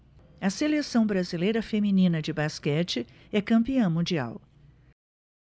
a seleção brasileira feminina de basquete é campeã mundial